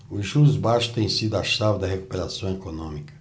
os juros baixos têm sido a chave da recuperação econômica